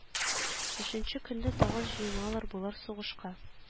Өченче көнне тагын җыеналар болар сугышка